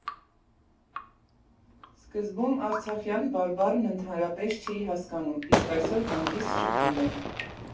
Սկզբում արցախյան բարբառն ընդհանրապես չէի հասկանում, իսկ այսօր հանգիստ շփվում եմ։